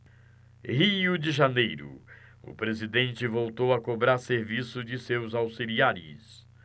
rio de janeiro o presidente voltou a cobrar serviço de seus auxiliares